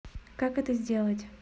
как это сделать